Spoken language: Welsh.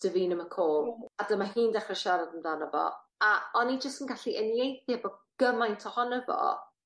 Davina McCall. A dyma hi'n dechre siarad amdano fo, a o'n i jyst yn gallu uniaethu efo gymaint ohono fo